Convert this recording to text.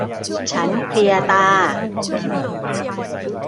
ฉันเพลียตา